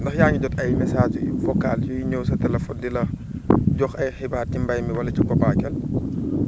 ndax yaa ngi jot ay messages yu vocal yuy ñëw sa téléphone di la jox ay xibaar ci mbéy mi wala ci COPACEL